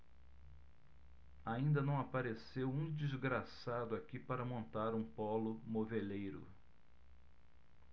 ainda não apareceu um desgraçado aqui para montar um pólo moveleiro